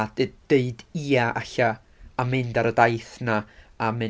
A deud "ia ella" a mynd ar y daith 'na a mynd.